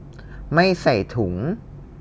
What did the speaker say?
ไม่ใส่ถุง